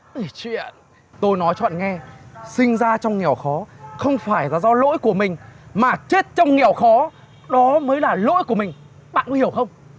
chuyện tôi nói cho bạn nghe sinh ra trong nghèo khó không phải là do lỗi của mình mà chết trong nghèo khó đó mới là lỗi của mình bạn có hiểu không